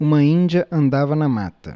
uma índia andava na mata